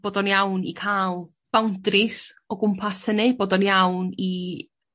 bod o'n iawn i ca'l boundaries o gwmpas hynny bod o'n iawn i